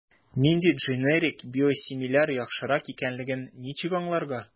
Нинди дженерик/биосимиляр яхшырак икәнлеген ничек аңларга?